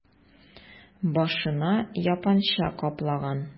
Башына япанча каплаган...